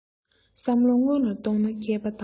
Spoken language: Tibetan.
བསམ བློ སྔོན ལ ཐོངས ན མཁས པ དང